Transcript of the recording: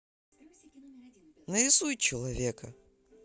нарисуй человечка